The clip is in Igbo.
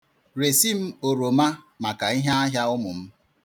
Resi m oroma maka iheahịa ụmụ m.